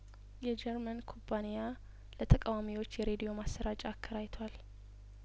የጀርመን ኩባንያ ለተቃዋሚዎች የሬዲዮ ማሰራጫ አከራይቷል